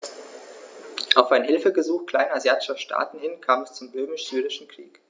Auf ein Hilfegesuch kleinasiatischer Staaten hin kam es zum Römisch-Syrischen Krieg.